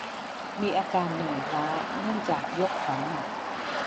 มีอาการเหนื่อยล้าเนื่องจากยกของหนัก